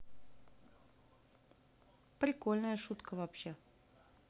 прикольная шутка вообще